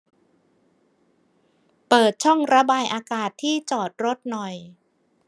เปิดช่องระบายอากาศที่จอดรถหน่อย